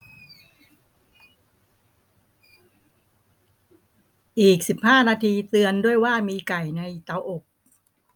อีกสิบหน้านาทีเตือนด้วยว่ามีไก่ในเตาอบ